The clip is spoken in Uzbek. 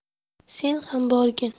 sen ham borgin